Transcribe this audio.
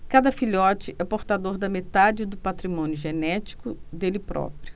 cada filhote é portador da metade do patrimônio genético dele próprio